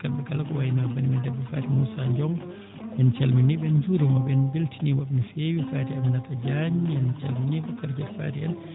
kamɓe kala ko wayi no banii men debbo Faty Moussa Diom en calminii ɓe en njuuriima ɓe en mbeltaniima ɓe no feewi Faty Aminata Diagne en calminii ɓe Kardiatou Faty en